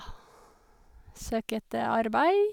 Søker etter arbeid.